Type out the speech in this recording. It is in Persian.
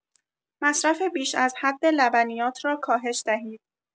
مصرف بیش از حد لبنیات را کاهش دهید.